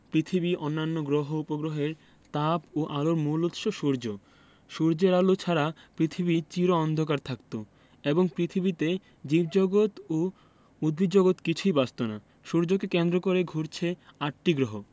পৃথিবী অন্যান্য গ্রহ উপগ্রহের তাপ ও আলোর মূল উৎস সূর্য সূর্যের আলো ছাড়া পৃথিবী চির অন্ধকার থাকত এবং পৃথিবীতে জীবজগত ও উদ্ভিদজগৎ কিছুই বাঁচত না সূর্যকে কেন্দ্র করে ঘুরছে আটটি গ্রহ